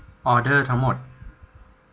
ออเดอร์ทั้งหมด